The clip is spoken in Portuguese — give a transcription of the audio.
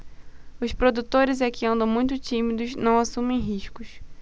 os produtores é que andam muito tímidos não assumem riscos